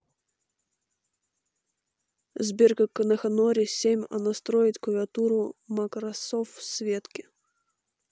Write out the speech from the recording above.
сбер как на хоноре семь а настроить клавиатуру макросов светке